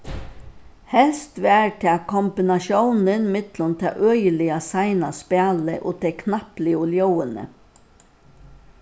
helst var tað kombinatiónin millum tað øgiliga seina spælið og tey knappligu ljóðini